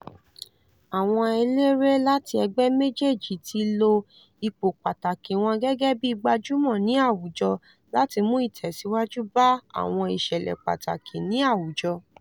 Àwọn eléré láti ẹgbẹ́ méjéèjì tí lo ipò pàtàkì wọn gẹ́gẹ́ bíi gbajúmọ̀ ní àwùjọ láti mú ìtẹ̀síwájú bá àwọn ìṣẹ̀lẹ̀ pàtàkì ní àwùjọ.